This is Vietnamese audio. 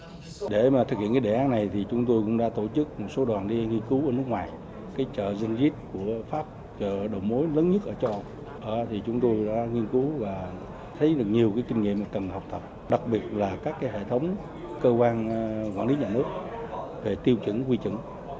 để mà thực hiện cái đề án này thì chúng tôi cũng đã tổ chức một số đoàn đi nghiên cứu ở nước ngoài cái chợ dim dít của pháp chợ đầu mối lớn nhất ở châu âu ờ thì chúng tôi đã nghiên cứu và thấy được nhiều cái kinh nghiệm mình cần học tập đặc biệt là các cái hệ thống cơ quan quản lý nhà nước về tiêu chuẩn quy chuẩn